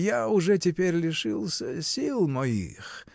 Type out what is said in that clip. я уже теперь лишился сил моих.